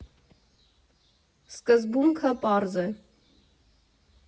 Սկզբունքը պարզ է.